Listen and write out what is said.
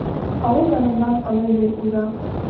Авыл яныннан олы юл уза.